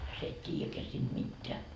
sinä et tiedäkään siitä mitään